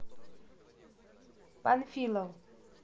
панфилов